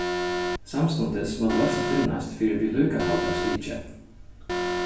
samstundis má loysn finnast fyri viðlíkahaldi av stiki